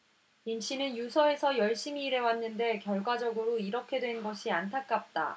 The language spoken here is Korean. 임씨는 유서에서 열심히 일해왔는데 결과적으로 이렇게 된 것이 안타깝다